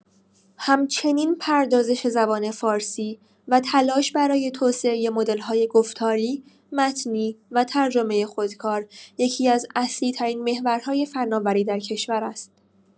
همچنین پردازش زبان فارسی و تلاش برای توسعه مدل‌های گفتاری، متنی و ترجمه خودکار یکی‌از اصلی‌ترین محورهای فناوری در کشور است.